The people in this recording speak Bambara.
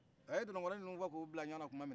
aye dundunkɔrɔ nunu bɔ ku bila ɲɔɔna tumanina